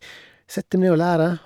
Sette meg ned og lære.